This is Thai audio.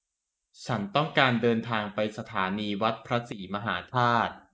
ฉันต้องการเดินทางไปสถานีวัดพระศรีมหาธาตุ